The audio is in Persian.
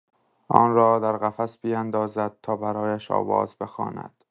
آن را در قفس بیندازد تا برایش آواز بخواند؟!